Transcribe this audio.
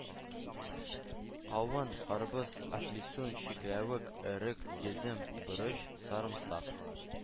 Кавын, карбыз, əфлисун, чиклəвек, өрек, йөзем, борыч, сарымсак,